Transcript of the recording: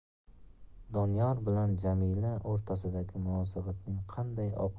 doniyor bilan jamila o'rtasidagi munosabatning qanday